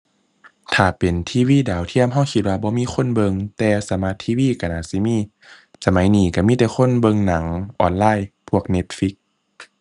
ถ้าเป็น TV ดาวเทียมเราคิดว่าบ่มีคนเบิ่ง แต่ smart TV เราน่าสิมี สมัยนี้เรามีแต่คนเบิ่งหนังออนไลน์ พวก Netflix